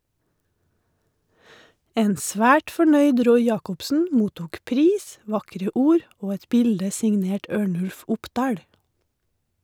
En svært fornøyd Roy Jacobsen mottok pris, vakre ord og et bilde signert Ørnulf Opdahl.